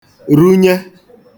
runye